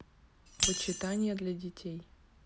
вычитание для детей